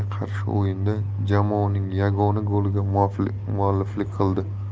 qarshi o'yinda jamoasining yagona goliga mualliflik qildi